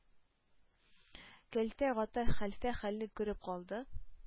Кәлтә Гата хәлфә хәлне күреп алды.